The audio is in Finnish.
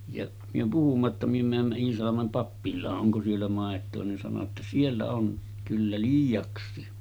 ja me puhuimme jotta me menimme Iisalmen pappilaan onko siellä maitoa niin sanoi jotta siellä on kyllä liiaksikin